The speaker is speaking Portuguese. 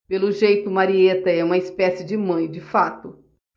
pelo jeito marieta é uma espécie de mãe de fato